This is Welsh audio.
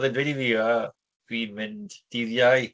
Oedd e'n dweud i fi, yy, "Fi'n mynd dydd Iau."